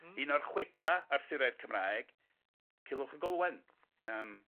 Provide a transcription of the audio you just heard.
Hmm. ...un o'r chwedla Arthuraidd Cymraeg Culwch ag Olwen yym.